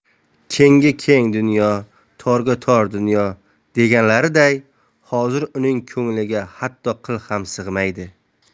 kengga keng dunyo torga tor dunyo deganlariday hozir uning ko'ngliga hatto qil ham sig'maydi